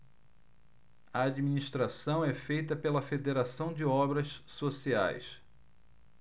a administração é feita pela fos federação de obras sociais